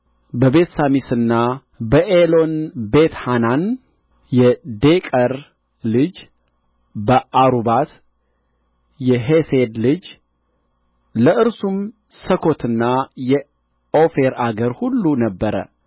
በቤትሳሚስና በኤሎንቤትሐናን የዴቀር ልጅ በአሩቦት የሔሴድ ልጅ ለእርሱም ሰኰትና የኦፌር አገር ሁሉ ነበረ